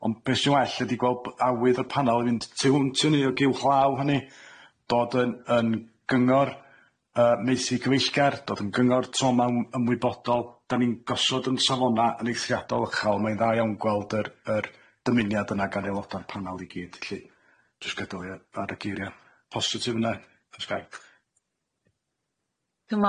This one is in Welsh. On' be sy'n well ydi gweld b- awydd y panel yn mynd tu hwnt i hynny ag uwchlaw hynny, dod yn yn gyngor yy maethu gyfeillgar, dod yn gyngor trauma ymwybodol, 'dan ni'n gosod yn safona' yn eithriadol o uchel, mae'n dda iawn gweld yr yr dymuniad yna gan aelodau'r panel i gyd felly jyst gadael hi yy ar y geiria' positif yna, os ga'i.